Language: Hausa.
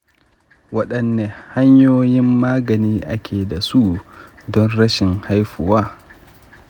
waɗanne hanyoyin magani ake da su don rashin haihuwa?